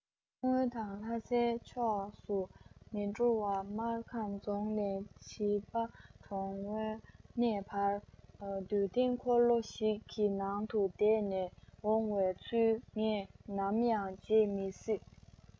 མཚོ སྔོན དང ལྷ སའི ཕྱོགས སུ མི འགྲོ བ སྨར ཁམས རྫོང ནས བྱིས པ གྲོངས བའི གནས བར འདུད འཐེན འཁོར ལོ ཞིག གི ནང དུ བསྡད ནས འོང བའི ཚུལ ངས ནམ ཡང བརྗེད མི སྲིད